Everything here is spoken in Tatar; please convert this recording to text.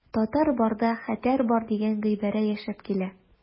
Татар барда хәтәр бар дигән гыйбарә яшәп килә.